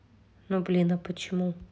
ну блин а почему